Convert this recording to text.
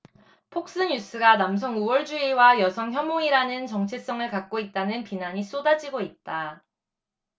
폭스뉴스가 남성우월주의와 여성혐오이라는 정체성을 갖고 있다는 비난이 쏟아지고 있다